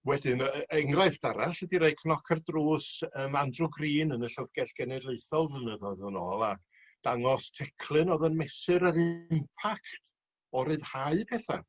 Wedyn yy yy enghraifft arall ydi roi cnoc ar drws yym Andrew Green yn y llyfrgell genedlaethol flynyddoedd yn ôl a dangos teclyn o'dd yn mesur yr impact o ryddhau petha